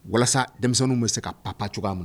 Walasa denmisɛnww bɛ se ka pa pa cogoya min